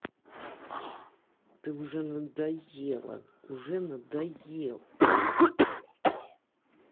ты уже надоела уже надоел